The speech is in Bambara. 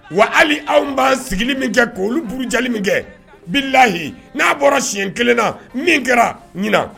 Wa hali anw b'an sigi min kɛ k' olu buguja min kɛ bi layi n'a bɔra siɲɛ kelen na min kɛra ɲin